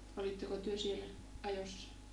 olitteko te siellä ajossa